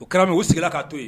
O kɛra u sigira k'a to yen